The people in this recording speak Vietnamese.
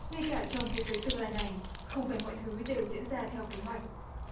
ngay cả trong thế giới tương lai này không phải mọi thứ đều diễn ra theo kế hoạch